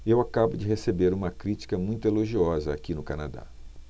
eu acabo de receber uma crítica muito elogiosa aqui no canadá